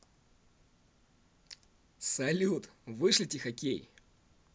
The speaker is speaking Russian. салют вышлите хоккей